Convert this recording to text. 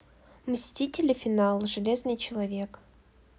мстители финал железный человек